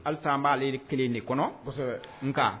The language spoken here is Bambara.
Halisa an b'aaleri kelen de kɔnɔ nka